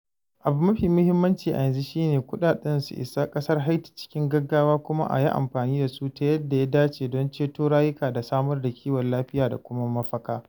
Abu mafi muhimmanci a yanzu shi ne kuɗaɗen su isa ƙasar Haiti cikin gaggawa kuma a yi amfani da su ta yadda ya dace, don ceton rayuka da samar da kiwon lafiya da kuma mafaka.